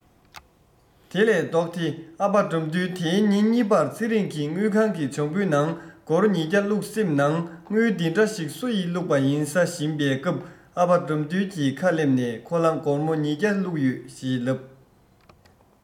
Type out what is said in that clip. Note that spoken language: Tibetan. དེ ལས ལྡོག སྟེ ཨ ཕ དགྲ འདུལ དེའི ཉིན གཉིས པར ཚེ རིང གི དངུལ ཁང གི བྱང བུའི ནང སྒོར ཉི བརྒྱ བླུག སེམས ནང དངུལ འདི འདྲ སུ ཡི བླུག པ ཡིན ས བཞིན པའི སྐབས ཨ ཕ དགྲ འདུལ གྱི ཁ སླེབས ནས ཁོ ལ དངུལ སྒོར མོ ཉི བརྒྱ བླུག ཡོད ཞེས ལབ